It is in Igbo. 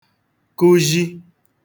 kụzhi